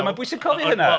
Mae'n bwysig codi hynna.